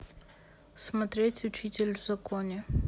смотреть учитель в законе